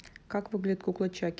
как выглядит кукла чаки